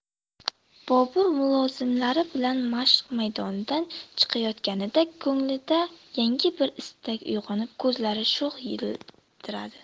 bobur mulozimlari bilan mashq maydonidan chiqayotganida ko'nglida yangi bir istak uyg'onib ko'zlari sho'x yiltiradi